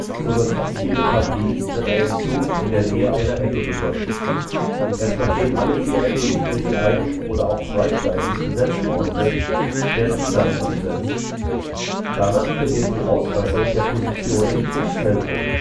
So wird fast jede Partie mit einem Zug in der Nähe einer Ecke begonnen. Erst nachdem alle vier Ecken mit je einem oder auch zwei Steinen besetzt worden sind, werden die Seiten besetzt. Danach beginnt die Ausweitung der Positionen ins Zentrum